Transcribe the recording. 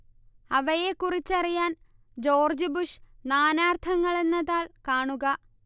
അവയെക്കുറിച്ചറിയാൻ George Bush നാനാർത്ഥങ്ങൾ എന്ന താൾ കാണുക